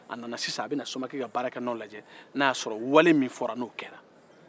a nana sisan a bɛ na somakɛ ka baaranɔ laje n'a y'a sɔrɔ wale min kɛra